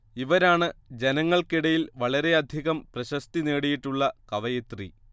ഇവരാണ് ജനങ്ങൾക്കിടയിൽ വളരെയധികം പ്രശസ്തി നേടിയിട്ടുള്ള കവയിത്രി